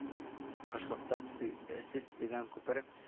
Кышлакта төзе сез төзегән күпер